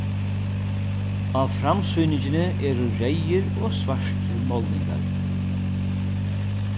á framsýningini eru reyðir og svartir málningar